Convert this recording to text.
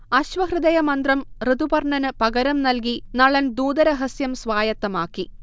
അശ്വഹൃദയമന്ത്രം ഋതുപർണനു പകരം നൽകി നളൻ ദൂതരഹസ്യം സ്വായത്തമാക്കി